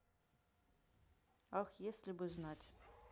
ах если бы знать